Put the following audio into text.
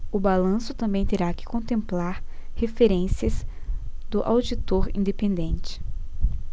o balanço também terá que contemplar referências do auditor independente